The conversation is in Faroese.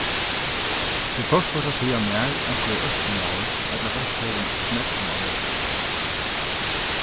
tað er torført at siga nær onkur er ørkymlaður ella bert hevur nógv um at vera